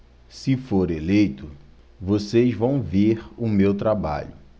se for eleito vocês vão ver o meu trabalho